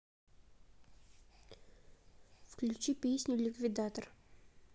включи песню ликвидатор